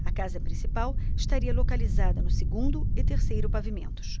a casa principal estaria localizada no segundo e terceiro pavimentos